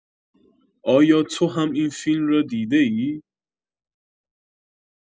آیا تو هم این فیلم را دیده‌ای؟